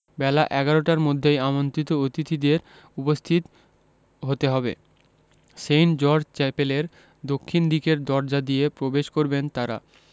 বেলা ১১টার মধ্যেই আমন্ত্রিত অতিথিদের উপস্থিত হতে হবে সেন্ট জর্জ চ্যাপেলের দক্ষিণ দিকের দরজা দিয়ে প্রবেশ করবেন তাঁরা